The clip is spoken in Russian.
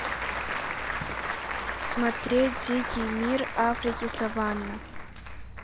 смотреть дикий мир африки саванна